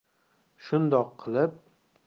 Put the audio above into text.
shundoq qilib